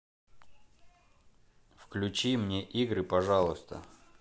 включи мне игры пожалуйста